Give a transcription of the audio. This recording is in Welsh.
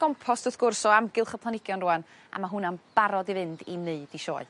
gompost wrth gwrs o amgylch y planhigion rŵan a ma' hwnna'n barod i fynd i wneud 'i sioe.